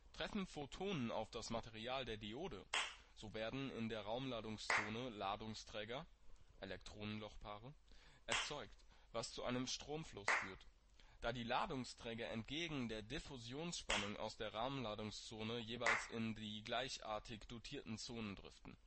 Treffen Photonen auf das Material der Diode, so werden in der Raumladungszone Ladungsträger (Elektron-Loch-Paare) erzeugt, was zu einem Stromfluss führt, da die Ladungsträger entgegen der Diffusionsspannung aus der Raumladungszone jeweils in die gleichartig dotierten Zonen driften